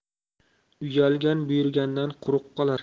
uyalgan buyurgandan quruq qolar